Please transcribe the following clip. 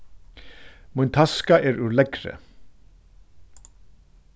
mín taska er úr leðri